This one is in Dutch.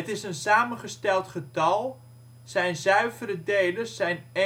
is een samengesteld getal; zijn zuivere delers zijn